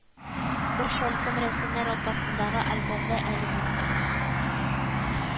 Бер шәлкем рәсемнәр апасындагы альбомда әле булса